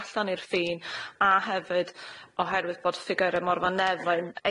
allan i'r ffin a hefyd oherwydd bod ffigyre Morfa Nefyn